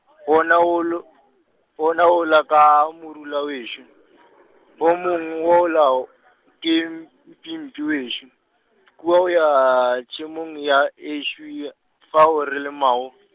wona wolo-, wona wola ka morula wešo , bo mongwe wola o ke -m, mpimpi wešo , kua o ya tšhemong ya -ešu y-, fao re lemao .